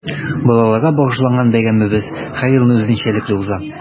Балаларга багышланган бәйрәмебез һәр елны үзенчәлекле уза.